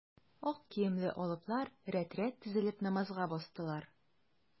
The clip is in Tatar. Ак киемле алыплар рәт-рәт тезелеп, намазга бастылар.